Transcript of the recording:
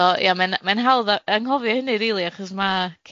So ia, mae'n mae'n hawdd yy anghofio hynny rili, achos ma'